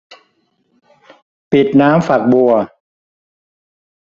ปิดน้ำฝักบัว